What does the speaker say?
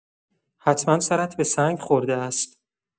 حتما سرت به سنگ خورده است!